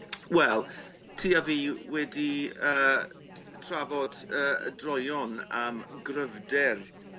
Wel ti a fi wedi yy trafod yy droeon am gryfder